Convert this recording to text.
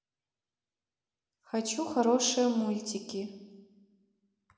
хочу хорошие мультики